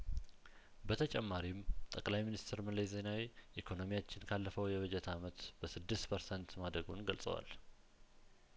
በተጨማሪም ጠቅላይ ሚኒስትር መለስ ዜናዊ ኢኮኖሚያችን ካለፈው የበጀት አመት በስድስት ፐርሰንት ማደጉን ገልጸዋል